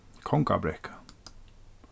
kongabrekkan